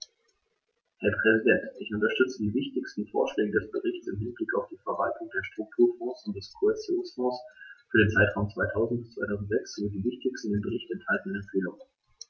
Herr Präsident, ich unterstütze die wichtigsten Vorschläge des Berichts im Hinblick auf die Verwaltung der Strukturfonds und des Kohäsionsfonds für den Zeitraum 2000-2006 sowie die wichtigsten in dem Bericht enthaltenen Empfehlungen.